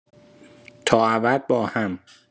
تا ابد باهم